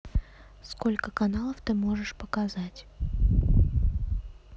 сколько каналов ты можешь показать